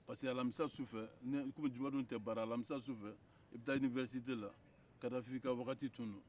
parce que alamisa sufɛ kɔmi juma don tɛ baara la alamisa sufɛ i bɛ taa sanfɛkalanso la kadafi ka wagati tun don